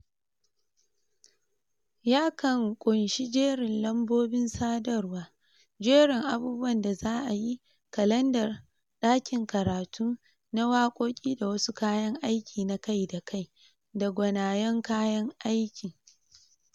Yakan ƙunshi jerin lambobin sadarwa, jerin abubuwan da za’a yi, kalandar, ɗakin karatu na wakoki da wasu kayan aiki na kai kadai da gwanayen kayan aiki.